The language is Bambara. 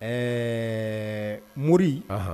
Ɛɛ mori